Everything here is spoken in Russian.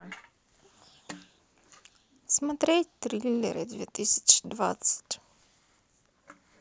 смотреть триллеры две тысячи двадцать